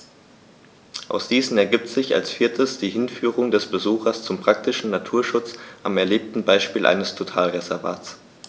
Aus diesen ergibt sich als viertes die Hinführung des Besuchers zum praktischen Naturschutz am erlebten Beispiel eines Totalreservats.